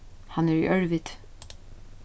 hann er í ørviti